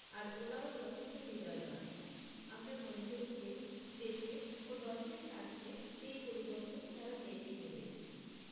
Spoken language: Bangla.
আর ওরাও যথেষ্ট হৃদয়বান আমরা মনে করি যে দেশের ও দশের স্বার্থে এই পরিবর্তন তারা মেনেই নেবে